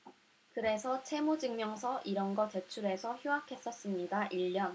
그래서 채무증명서 이런 거 제출해서 휴학했었습니다 일 년